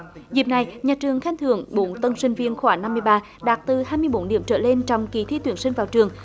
dịp này nhà trường khen thưởng bốn tân sinh viên khoảng năm mươi ba đạt từ hai mươi bốn điểm trở lên trong kỳ thi tuyển sinh vào trường